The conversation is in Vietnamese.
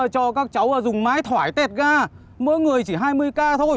cho các cháu dùng mái thoại tẹt ga mỗi người chỉ hai mươi ca thôi